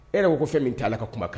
E yɛrɛ ko fɛn min' la ka kumakan